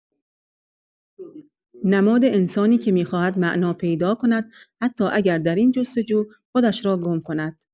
نماد انسانی که می‌خواهد معنا پیدا کند، حتی اگر در این جست‌وجو خودش را گم کند.